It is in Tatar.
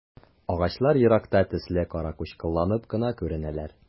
Агачлар еракта төсле каракучкылланып кына күренәләр.